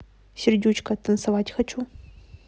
сердючка танцевать хочу